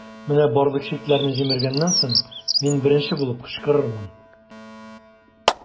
Менә барлык чикләрне җимергәннән соң, мин беренче булып кычкырырмын.